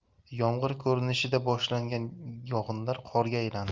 yomg'ir ko'rinishida boshlangan yog'inlar qorga aylandi